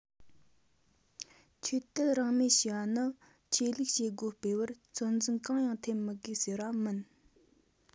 ཆོས དད རང མོས ཞེས པ ནི ཆོས ལུགས བྱེད སྒོ སྤེལ བར ཚོད འཛིན གང ཡང ཐེབས མི དགོས ཟེར བ མིན